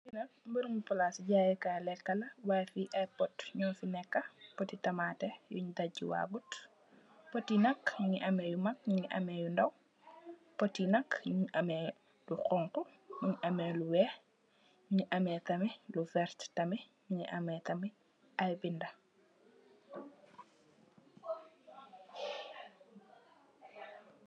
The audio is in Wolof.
Fii nak birum palaasu jaayekaay lekk la, way fi ay pot nyo fi nekk, poti tamate yunj dagiwagut, pot yi nak nyingi am yu magg, mingi am yu ndaw, pot yi nak mingi ame lu xonxu, mingi ame lu weex, mingi ame tamit lu verte tamit, mingi ame tamit ay binda,